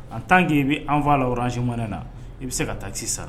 An tan k i bɛ an faaa la ransiumanɛ na i bɛ se ka taa ci sara